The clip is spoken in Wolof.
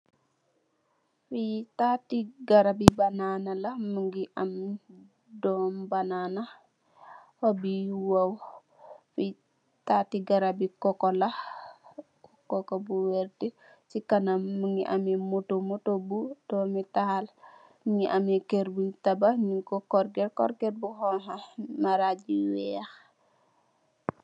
Fi taati garab yi banana la, mungi am doom banana hoop yi yu waw. Fi taati garab yi coco la, coco bu vert. Ci kanam mungi ameh moto bu doomital, mungi ameh kër bun tabah nung ko corket, corket bu honkha, maraj yu weeh.